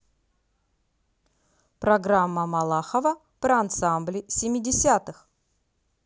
программа малахова про ансамбли семидесятых